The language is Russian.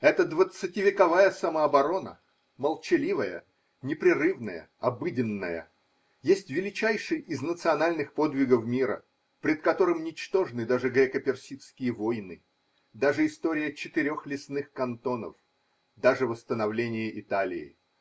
Эта двадцативековая самооборона, молчаливая, непрерывная, обыденная, есть величайший из национальных подвигов мира, пред которым ничтожны даже греко-персидские войны, даже история Четырех Лесных Кантонов, даже восстановление Италии.